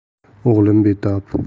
o'g'lim betob